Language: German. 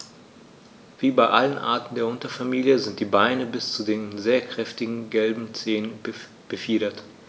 Wie bei allen Arten der Unterfamilie sind die Beine bis zu den sehr kräftigen gelben Zehen befiedert.